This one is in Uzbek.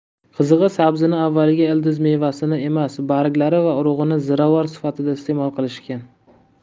qizig'i sabzini avvaliga ildizmevasini emas barglari va urug'ini ziravor sifatida iste'mol qilishgan